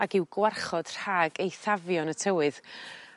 Ac i'w gwarchod rhag eithafion y tywydd.